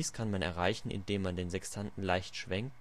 kann man erreichen, indem man den Sextanten leicht schwenkt